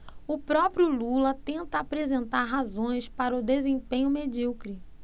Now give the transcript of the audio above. o próprio lula tenta apresentar razões para o desempenho medíocre